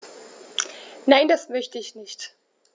Nein, das möchte ich nicht.